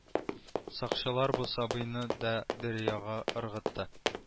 Сакчылар бу сабыйны да дәрьяга ыргытты